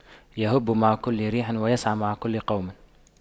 يَهُبُّ مع كل ريح ويسعى مع كل قوم